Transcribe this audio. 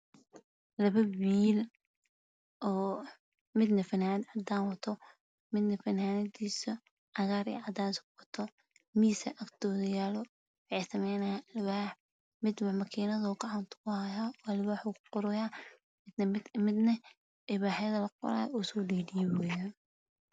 Labo wiil cadaan midna cagaar cadaan alwaax midna makiinada minda alwaaxyo usoo dhiidhiibayaa